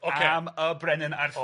...am y brenin Arthur.